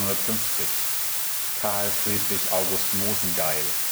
1750) Carl Friedrich August Mosengeil